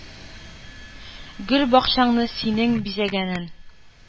Гөлбакчаңны синең бизәгәнен,